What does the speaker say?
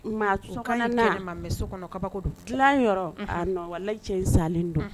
mais a tun ka ɲi kɛnɛmana mais so kɔnɔ kabako don, dilan yɔrɔ, a non, wallahi cɛ in salen don!